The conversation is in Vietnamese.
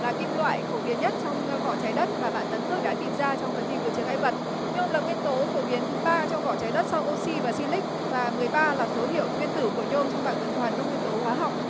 là kim loại phổ biến nhất trong vỏ trái đất mà bạn tấn phước đã tìm ra trong phần thi vượt chướng ngại vật nhôm là nguyên tố phổ biến thứ ba trong vỏ trái đất sau ô xi và si lích và mười ba là số hiệu nguyên tử của nhôm trong bảng tuần hoàn các nguyên tố hóa học